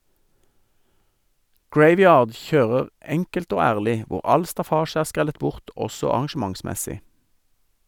Graveyard kjører enkelt og ærlig, hvor all staffasje er skrellet bort også arrangementsmessig.